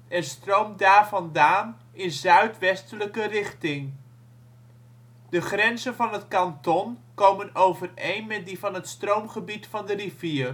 en stroomt daarvandaan in zuidwestelijke richting. De grenzen van het kanton komen overeen met die van het stroomgebied van de rivier